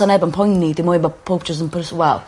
...sa neb yn poeni dim mwy ma' powb jys yn pers- wel